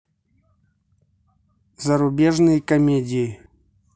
зарубежные комедии